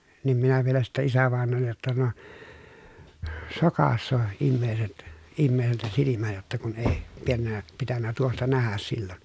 niin minä vielä sitten isävainajalle jotta no sokaisee ihmiset ihmiseltä silmät jotta kun ei - pitänyt tuosta nähdä silloin